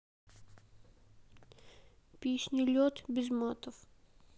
песня лед без матов